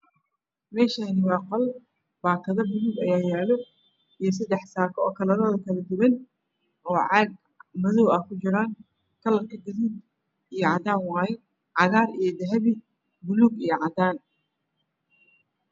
Meeshaan waa qol baakado gaduudan ayaa yaalo iyo seddex saako oo kalaradoodu kala duwan oo caag madow ah kujira. Kalarka gaduud iyo cadaan waaye cagaar iyo dahabi, buluug iyo cadaan.